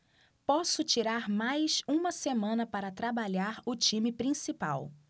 posso tirar mais uma semana para trabalhar o time principal